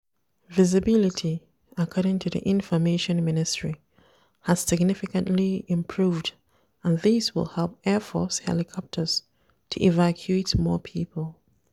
Visibility, according to the Information ministry, has significantly improved and this will help airforce helicopters to evacuate more people.